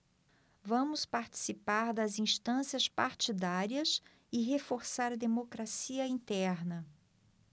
vamos participar das instâncias partidárias e reforçar a democracia interna